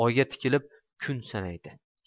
oyga tikilib kun sanaydi